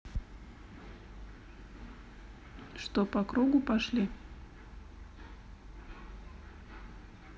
что по кругу пошли